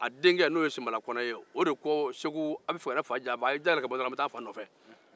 a denkɛ sibala kɔnɛ ko segou a b'a fɛ ka ne fa janfa a ye dayɛlɛn n bɛ taa n fa nɔfɛ